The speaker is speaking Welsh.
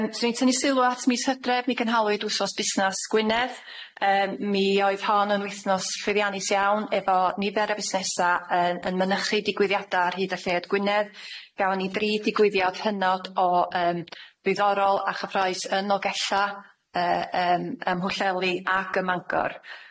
Yym 'swn i'n tynnu sylw at mis Hydref mi gynhaliwyd wsos busnas Gwynedd yym mi oedd hon yn wythnos llwyddiannus iawn efo nifer o busnesa yn yn mynychu digwyddiada ar hyd y lled Gwynedd gafo ni dri digwyddiad hynod o yym ddiddorol a chyffrous yn Nolgella yy yym ym Mhwllheli ac ym Mangor.